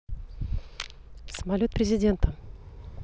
самолет президента